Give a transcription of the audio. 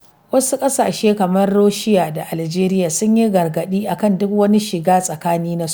Wasu ƙasashe kamar Russia da Algeria sun yi gargaɗi a kan duk wani shiga tsakani na soja.